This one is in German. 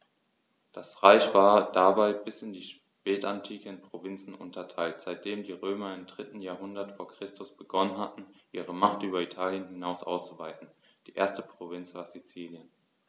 Das Reich war dabei bis in die Spätantike in Provinzen unterteilt, seitdem die Römer im 3. Jahrhundert vor Christus begonnen hatten, ihre Macht über Italien hinaus auszuweiten (die erste Provinz war Sizilien).